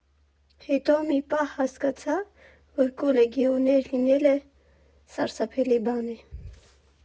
Հետո մի պահ հասկացա, որ կոլեկցիոներ լինելը սարսափելի բան է։